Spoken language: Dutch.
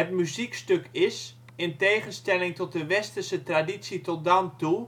muziekstuk is, in tegenstelling tot de westerse traditie tot dan toe